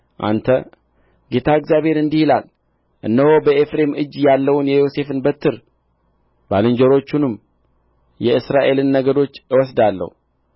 አንተ ጌታ እግዚአብሔር እንዲህ ይላል እነሆ በኤፍሬም እጅ ያለውን የዮሴፍን በትር ባልንጀሮቹንም የእስራኤልን ነገዶች እወስዳለሁ